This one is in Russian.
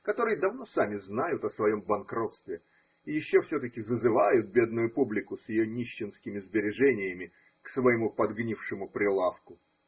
которые давно сами знают о своем банкротстве и еще все-таки зазывают бедную публику с ее нищенскими сбережениями к своему подгнившему прилавку.